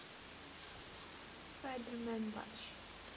spider man watch